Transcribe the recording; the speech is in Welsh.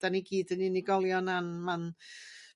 'dan ni gyd yn unigolion a'n ma'n